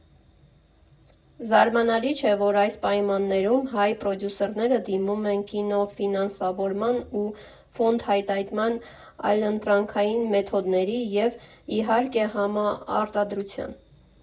Զարմանալի չէ, որ այս պայմաններում հայ պրոդյուսերները դիմում են կինոֆինանսավորման ու ֆոնդհայթայթման այլընտրանքային մեթոդների և, իհարկե, համարտադրության։